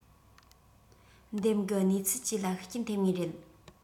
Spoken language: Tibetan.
འདེམས གི གནས ཚུལ བཅས ལ ཤུགས རྐྱེན ངེས རེད